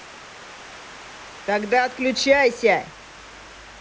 тогда отключайся